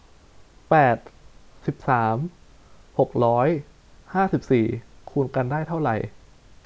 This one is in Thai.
แปดสิบสามหกร้อยห้าสิบสี่คูณกันได้เท่าไหร่